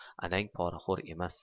adang poraxo'r emas